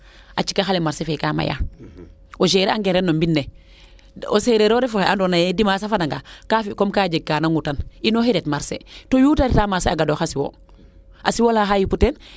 a cikaxa le marché fee kaa maya o gérer a ngiran no mbine o sereer refu oxe ando naye dimanche a fada nga kaa fi comme kaa jeg kaana ŋutan inooxi ret marché to yuute reta marché a gadooxa siwo a siwola xaa yipu teen